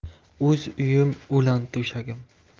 o'z uyim o'lan to'shagim